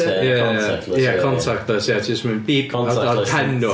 Ia contactless... Ia contacless ia ti jyst yn mynd beep a wedyn ma' pen nhw...